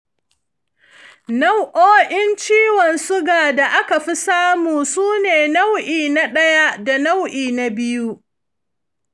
nau'o'in ciwon suga da aka fi samu su ne nau'i na daya da nau'i na biyu.